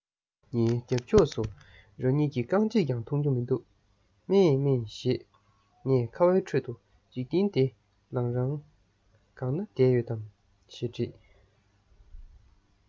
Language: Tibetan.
ངའི རྒྱབ ཕྱོགས སུ རང ཉིད ཀྱི རྐང རྗེས ཀྱང མཐོང དུ མི འདུག མཱེ མཱེ ཞེས ངས ཁ བའི ཁྲོད དུ འཇིག རྟེན འདི ལང རང གང ན བསྡད ཡོད དམ ཞེས དྲིས